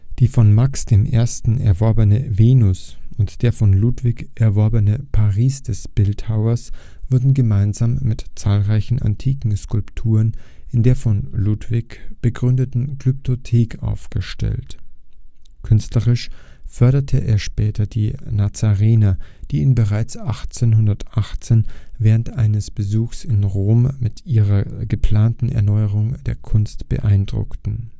Die von Max I. erworbene Venus und der von Ludwig erworbene Paris des Bildhauers wurden gemeinsam mit zahlreichen antiken Skulpturen in der von Ludwig begründeten Glyptothek aufgestellt. Künstlerisch förderte er später die Nazarener, die ihn bereits 1818 während eines Besuchs in Rom mit ihrer geplanten Erneuerung der Kunst beeindruckten